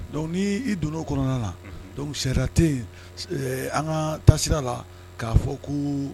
Donc ni i donna o kɔnɔna, unhun,. donc sariya tɛ yen an ka tasira la k'a fɔ ko